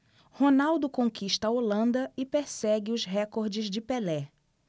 ronaldo conquista a holanda e persegue os recordes de pelé